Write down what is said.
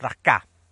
raca.